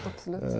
absolutt.